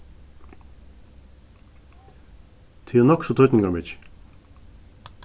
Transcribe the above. tað er nokk so týdningarmikið